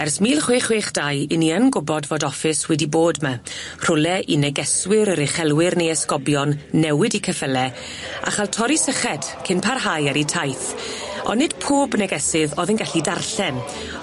Ers mil chwech chwech dau 'yn ni yn gwbod fod office wedi bod 'my rhwle i negeswyr yr uchelwyr ne' esgobion newid 'u ceffyle a cha'l torri syched cyn parhau ar 'u taith on' nid pob negesydd o'dd yn gallu darllen